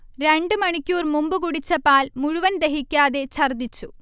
രണ്ടു മണിക്കൂർ മുമ്പ് കുടിച്ച പാൽ മുഴുവൻ ദഹിക്കാതെ ഛർദ്ദിച്ചു